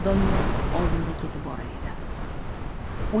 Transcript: doniyor oldinda ketib borar edi